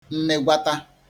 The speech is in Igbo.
mmegwata